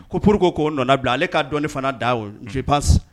Ko pour que k'o nɔnabila ale ka dɔn fanai dan y'o ye je pense